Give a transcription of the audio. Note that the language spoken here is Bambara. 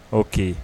Okey